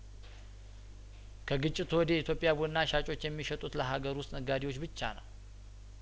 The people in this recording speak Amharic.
ከግጭቱ ወዲህ የኢትዮጵያ ቡና ሻጮች የሚሸጡት ለሀገር ውስጥ ነጋዴዎች ብቻ ነው